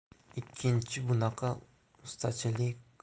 ikkinchi bunaqa ustachilik